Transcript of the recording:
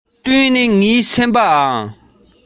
ཕྱི ཉིན ཨ མ མེད དུས ང དང གཅེན པོ